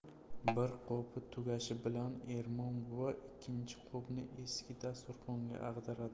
bir qopi tugashi bilan ermon buva ikkinchi qopni eski dasturxonga ag'daradi